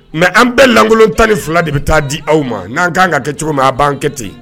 Mais an bɛɛ lankolon 12 de bɛ taa di aw ma, n'a ka kan k'an kɛ cogo min a b'an kɛ ten.